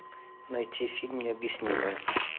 найти фильм необъяснимое